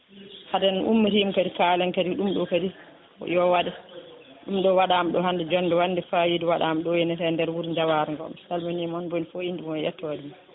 haade en ummitima kadi kaalen kadi ɗum ɗo kadi yo waɗe ɗum ɗo waɗama hande jonde wonde wande fayida waɗama ɗo henna e nder wuuro Diawara ngo mi salmini moon moni foof inde mum e yettode mum